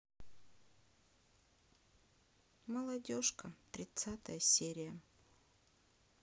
молодежка тридцатая серия